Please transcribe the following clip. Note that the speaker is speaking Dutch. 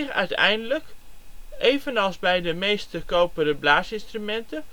uiteindelijk, evenals bij de meeste koperen blaasinstrumenten